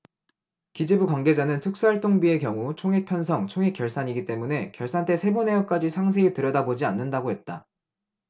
기재부 관계자는 특수활동비의 경우 총액 편성 총액 결산이기 때문에 결산 때 세부 내역까지 상세히 들여다보지 않는다고 했다